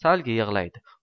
salga yig'laydi